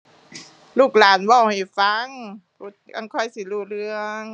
ลูกหลานเว้าให้ฟัง จั่งค่อยสิรู้เรื่อง